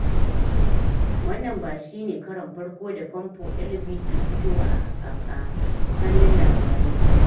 wannan ba shi ne Karon farko da famfo Elvie ke fitowa a kannun labarai ba.